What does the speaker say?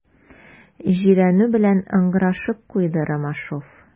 Җирәнү белән ыңгырашып куйды Ромашов.